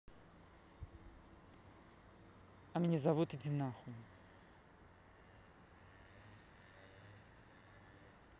а меня зовут иди на хуй